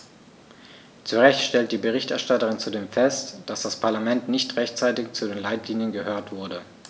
Zu Recht stellt die Berichterstatterin zudem fest, dass das Parlament nicht rechtzeitig zu den Leitlinien gehört wurde.